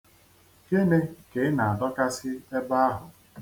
Gịnị ka ị na-adọkasị ebe ahụ?